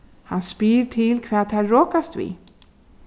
hann spyr til hvat tær rokast við